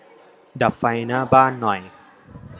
ดับไฟหน้าบ้านหน่อย